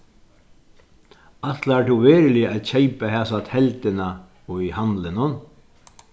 ætlar tú veruliga at keypa hasa telduna í handlinum